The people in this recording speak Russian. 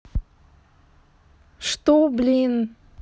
что блин